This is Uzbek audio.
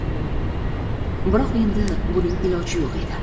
biroq endi buning iloji yo'q edi